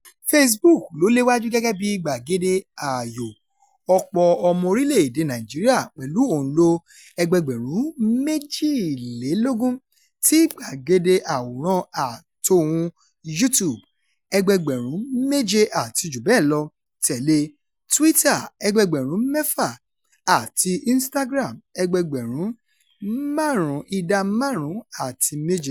Facebook ló léwájú gẹ́gẹ́ bí i gbàgede ààyò ọ̀pọ̀ ọmọ orílẹ̀-èdèe Nàìjíríà pẹ̀lú òǹlò ẹgbẹẹgbẹ̀rún 22, tí gbàgede àwòrán-àtohùn YouTube (ẹgbẹẹgbẹ̀rún 7 àti jù bẹ́ẹ̀ lọ) tẹ̀lé e, Twitter (ẹgbẹẹgbẹ̀rún 6) àti Instagram (ẹgbẹẹgbẹ̀rún 5.7).